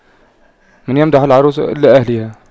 من يمدح العروس إلا أهلها